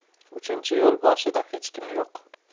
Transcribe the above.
uchinchi yo'l boshida xech kim yo'q